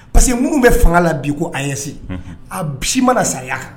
Parce que minnu bɛ fanga la bi ko ase a bisimila mana saya kan